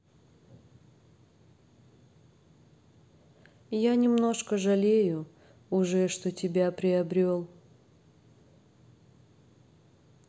я немножко жалею уже что тебя приобрел